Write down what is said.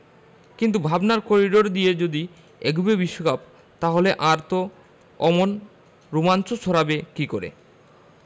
কিন্তু ভাবনার করিডর দিয়েই যদি এগোবে বিশ্বকাপ তাহলে আর তা অমন রোমাঞ্চ ছড়াবে কী করে